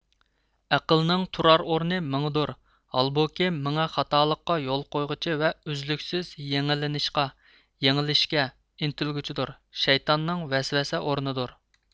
ئەقىلنىڭ تۇرار ئورنى مىڭىدۇر ھالبۇكى مېڭە خاتالىققا يول قويغۇچى ۋە ئۈزلۈكسىز يېڭىلىنىشقا يېڭىلىشكە ئىنتىلگۈچىدۇر شەيتاننىڭ ۋەسۋەسە ئورنىدۇر